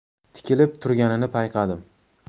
tikilib turganini payqadim